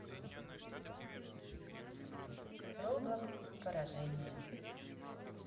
roblox поражение